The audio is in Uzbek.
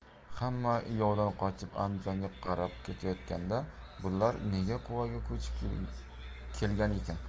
hamma yovdan qochib andijonga qarab ketayotganda bu lar nega quvaga ko'chib kelganikin